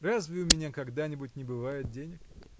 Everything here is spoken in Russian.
– Разве у меня когда-нибудь не бывает денег?